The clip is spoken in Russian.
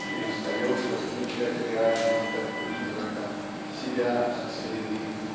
и перестаешь различать реальность от призрака себя от среды